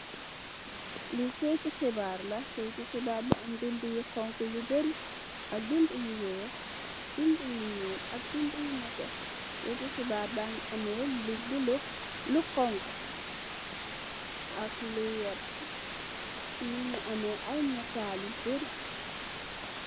Li kayetu heebar la, kayetu heebar bi am bindi yu honku yu bari ak bindi yu weeh, bindi yu ñuul ak bindi yu nètè. Kayetu heebar ba ngi ameh lu bulo, lu honku ak lu vert fi mungi ameh ay natal yu bari.